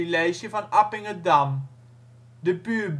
van Appingedam, de buurbrief. De